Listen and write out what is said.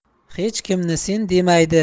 hech kimni sen demaydi